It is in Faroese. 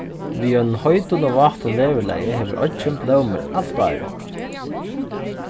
við einum heitum og vátum veðurlagi hevur oyggin blómur alt árið